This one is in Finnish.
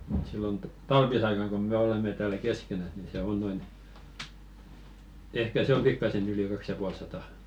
mutta silloin - talvisaikana kun me olemme täällä keskenään niin se on noin ehkä se on pikkaisen yli kaksi ja puoli sataa